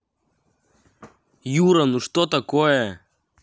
юра ну что это такое